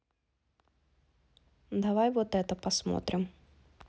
давай вот это посмотрим